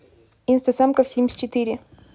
инстасамка в симс четыре